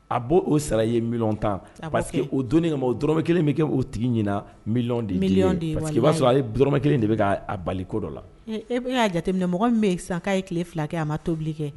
A b'ɔ o sara i ye miliyɔn tan parce que o donnin kama o dɔrɔmɛ kelen bɛ kɛ o tigi ɲɛna miliyɔn de ye parce que o b'a sɔrɔ ale dɔrɔmɛ kelen de bɛ k'a bali ko dɔ la e y'a jateminɛ mɔgɔ min bɛ uen sisan k'a ye tile fila kɛ a ma tobili kɛ